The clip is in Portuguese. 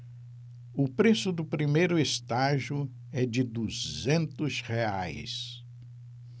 o preço do primeiro estágio é de duzentos reais